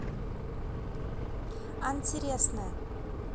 антересная